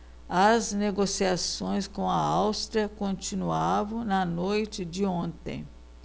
as negociações com a áustria continuavam na noite de ontem